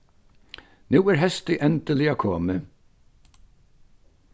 nú er heystið endiliga komið